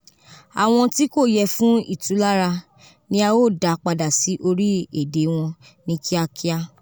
Awọn ti ko yẹ fun itulara ni a o da pada si ori ede wọn ni kiakia.